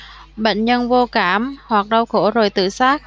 bệnh nhân vô cảm hoặc đau khổ rồi tự sát